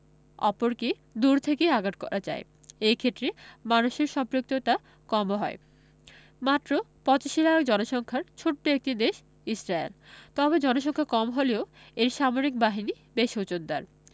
অপরকে দূর থেকেই আঘাত করা যায় এ ক্ষেত্রে মানুষের সম্পৃক্ততা কম হয় মাত্র ৮৫ লাখ জনসংখ্যার ছোট্ট একটি দেশ ইসরায়েল তবে জনসংখ্যা কম হলেও এর সামরিক বাহিনী বেশ ওজনদার